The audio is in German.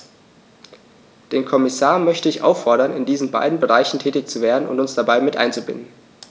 Den Kommissar möchte ich auffordern, in diesen beiden Bereichen tätig zu werden und uns dabei mit einzubinden.